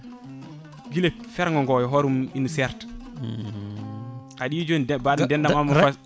guila fergogo e hoore mum ina serta aɗa yiiya joni mbaɗo no denɗam Amadou